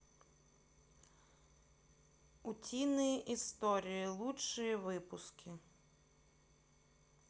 утиные истории лучшие выпуски